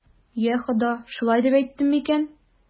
Йа Хода, шулай дип әйттем микән?